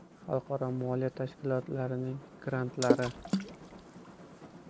xalqaro moliya tashkilotlarining grantlari